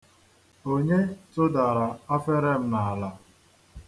Onye tụdara afere m n'ala?